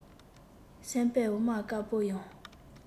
སེམས པས འོ མ དཀར པོ ཡང